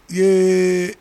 Ee